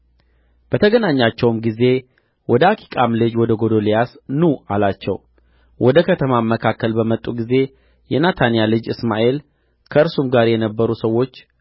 በተገናኛቸውም ጊዜ ወደ አኪቃም ልጅ ወደ ጎዶልያስ ኑ አላቸው ወደ ከተማም መካከል በመጡ ጊዜ የናታንያ ልጅ እስማኤል ከእርሱም ጋር የነበሩ ሰዎች